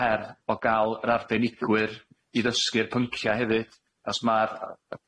her o ga'l yr arbenigwyr i ddysgu'r pyncia hefyd 'chos ma'r